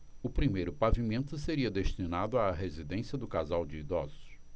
o primeiro pavimento seria destinado à residência do casal de idosos